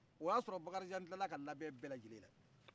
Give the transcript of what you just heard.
o ya sɔrɔ bakarijan tilala a ka labɛn bɛlajelen na